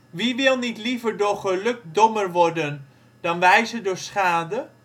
Wie wil niet liever door geluk dommer worden dan wijzer door schade